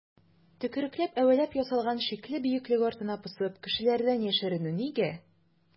Төкерекләп-әвәләп ясалган шикле бөеклек артына посып кешеләрдән яшеренү нигә?